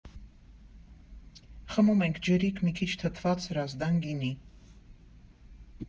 Խմում ենք ջրիկ, մի քիչ թթված «Հրազդան» գինի.